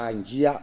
haa njiyaa